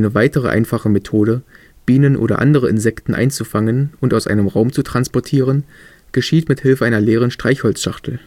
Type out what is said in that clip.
weitere einfache Methode, Bienen (oder andere Insekten) einzufangen und aus einem Raum zu transportieren, geschieht mit Hilfe einer leeren Streichholzschachtel